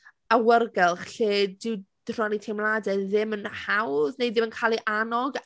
awyrgylch, lle dyw rhannu teimladau ddim yn hawdd, neu ddim yn cael ei annog?